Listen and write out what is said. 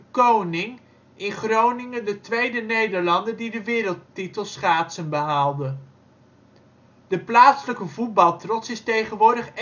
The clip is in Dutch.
Koning in Groningen de tweede Nederlander die de wereldtitel schaatsen behaalde. De plaatselijke voetbaltrots is tegenwoordig